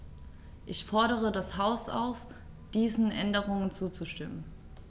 Ich fordere das Haus auf, diesen Änderungen zuzustimmen.